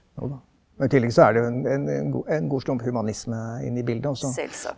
joda, og i tillegg så er det jo en en god en god slump humanisme inni bildet også.